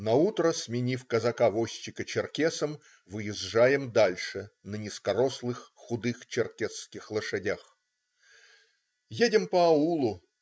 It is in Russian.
Наутро, сменив казака-возчика черкесом, выезжаем дальше на низкорослых, худых черкесских лошадях. Едем по аулу.